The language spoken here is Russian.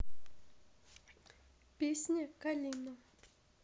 песня калина